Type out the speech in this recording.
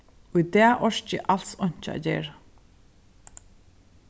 í dag orki eg als einki at gera